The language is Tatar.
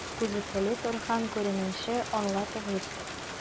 Күзәтелә торган күренешне аңлатыгыз.